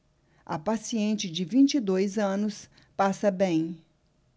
a paciente de vinte e dois anos passa bem